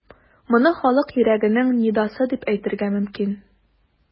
Моны халык йөрәгенең нидасы дип әйтергә мөмкин.